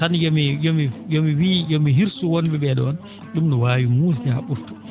tan yo mi yo mi wii yo mi hirsu won?e ?ee ?oon ?um no waawi muusde haa ?urta